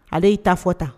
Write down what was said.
Ala y'i taa fɔ tan